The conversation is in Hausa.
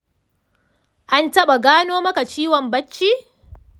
an taba gano maka ciwon bacci?